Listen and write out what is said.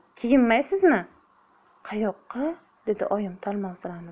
kiyinmaysizmi qayoqqa dedi oyim talmovsirab